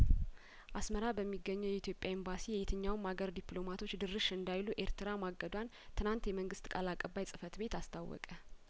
አስመራ በሚገኘው የኢትዮጵያ ኤምባሲ የየትኛውም አገር ዲፕሎማቶች ድርሽ እንዳይሉ ኤርትራ ማቀዷን ትናንት የመንግስት ቃል አቀባይ ጽፈት ቤት አስታወቀ